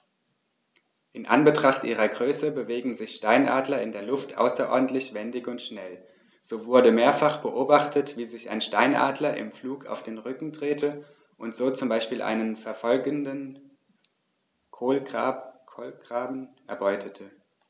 In Anbetracht ihrer Größe bewegen sich Steinadler in der Luft außerordentlich wendig und schnell, so wurde mehrfach beobachtet, wie sich ein Steinadler im Flug auf den Rücken drehte und so zum Beispiel einen verfolgenden Kolkraben erbeutete.